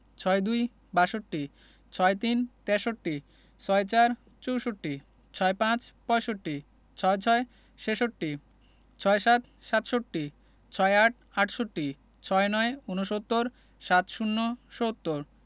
৬২ – বাষট্টি ৬৩ – তেষট্টি ৬৪ – চৌষট্টি ৬৫ – পয়ষট্টি ৬৬ – ছেষট্টি ৬৭ – সাতষট্টি ৬৮ – আটষট্টি ৬৯ – ঊনসত্তর ৭০ - সত্তর